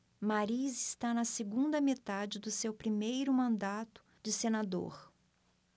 mariz está na segunda metade do seu primeiro mandato de senador